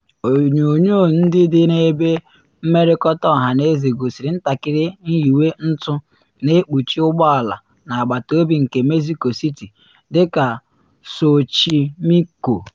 Onyonyo ndị dị n’ebe mmerịkọta ọhaneze gosiri ntakịrị nyiwe ntụ na ekpuchi ụgbọ ala n’agbataobi nke Mexico City dị ka Xochimilco.